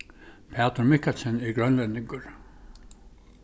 pætur mikkelsen er grønlendingur